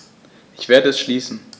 Ich werde es schließen.